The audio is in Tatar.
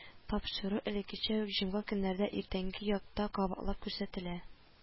Тапшыру элеккечә үк җомга көннәрендә иртәнге якта кабатлап күрсәтелә